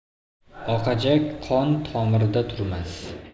oqajak qon tomirda turmas